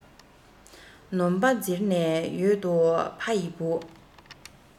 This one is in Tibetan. ནོམ པ འཛིར ནས ཡོད དོ ཕ ཡི བུ